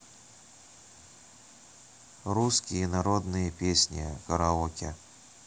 русские народные песни караоке